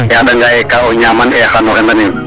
A reɗ'anga yee ka o ñaaman xan o xendanin